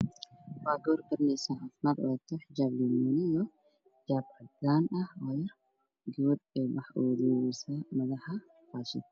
Waa gabar baraneso caafimaad wafdato xijaab cadaan ah gabar bay madaxa uga duubaysaa faashad